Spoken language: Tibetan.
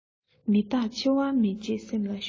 མི རྟག འཆི བ མ བརྗེད སེམས ལ ཞོག